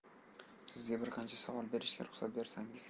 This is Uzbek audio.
sizga bir qancha savol berishga ruxsat bersangiz